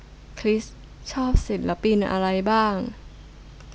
คริสชอบศิลปินอะไรบ้าง